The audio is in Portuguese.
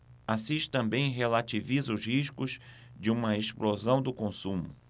assis também relativiza os riscos de uma explosão do consumo